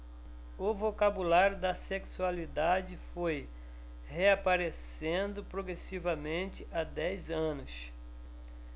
o vocabulário da sexualidade foi reaparecendo progressivamente há dez anos